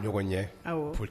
Ɲɔgɔn ye, awɔ, fosi.